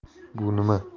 bu nima